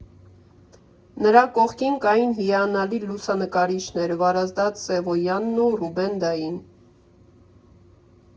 Նրա կողքին կային հիանալի լուսանկարիչներ Վարազդատ Սևոյանն ու Ռուբեն֊դային։